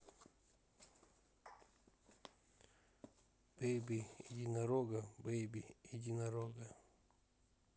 бейби единорога бейби единорога